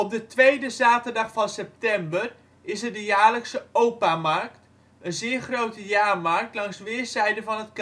de tweede zaterdag van september is er de jaarlijkse O.P.A markt, een zeer grote jaarmarkt langs weerszijden van